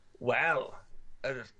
Wel yr